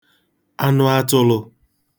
anụ atụ̄lụ̄